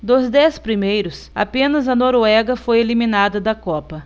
dos dez primeiros apenas a noruega foi eliminada da copa